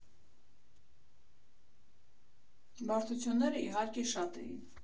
Բարդությունները, իհարկե, շատ էին։